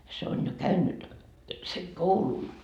se on jo käynyt sen koulun